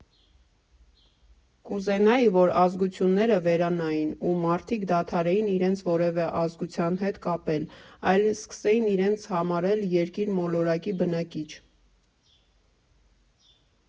Կուզենայի, որ ազգությունները վերանային ու մարդիկ դադարեին իրենց որևէ ազգության հետ կապել, այլ սկսեին իրենց համարել երկիր մոլորակի բնակիչ։